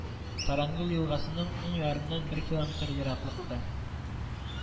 Тарангул елгасының уң ярыннан бер километр ераклыкта